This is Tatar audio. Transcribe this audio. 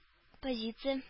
Позиция